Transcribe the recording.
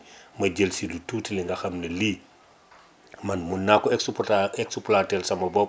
ma jël si lu tuuti li nga xam ne lii man mun naa ko exploi exploité sama bopp